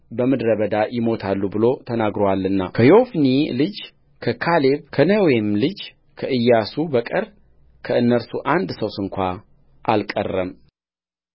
በምድረ በዳ ይሞታሉ ብሎ ተናግሮአልና ከዮፎኒ ልጅ ከካሌብ ከነዌም ልጅ ከኢያሱ በቀር ከእነርሱ አንድ ሰው ስንኳ አልቀረም